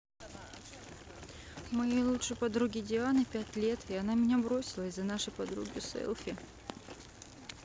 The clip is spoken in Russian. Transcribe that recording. моей лучшей подруги дианы пять лет и она меня бросила из за нашей подруги селфи